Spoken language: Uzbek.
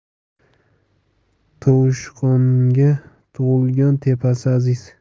tovushqonga tug'ilgan tepasi aziz